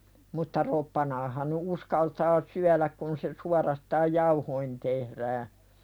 mutta roppanaahan nyt uskaltaa syödä kun se suorastaan jauhoihin tehdään